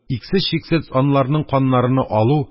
Иксез-чиксез анларның каннарыны алу